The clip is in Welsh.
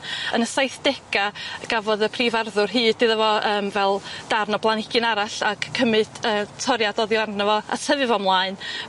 Yn y saithdega gafodd y prif arddwr hyd iddo fo yym fel darn o blanhigyn arall ac cymyd yy toriad oddi arno fo a tyfu fo mlaen.